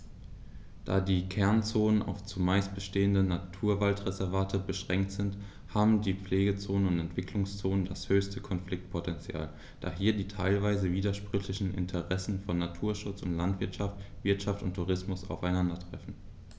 Da die Kernzonen auf – zumeist bestehende – Naturwaldreservate beschränkt sind, haben die Pflegezonen und Entwicklungszonen das höchste Konfliktpotential, da hier die teilweise widersprüchlichen Interessen von Naturschutz und Landwirtschaft, Wirtschaft und Tourismus aufeinandertreffen.